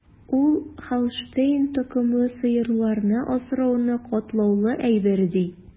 Ул Һолштейн токымлы сыерларны асрауны катлаулы әйбер, ди.